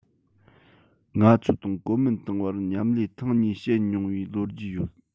ང ཚོ དང གོ མིན ཏང བར མཉམ ལས ཐེངས གཉིས བྱེད མྱོང བའི ལོ རྒྱུས ཡོད